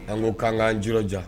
An ko k'an'an ji jan